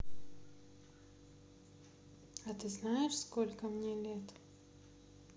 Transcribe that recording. а ты знаешь сколько мне лет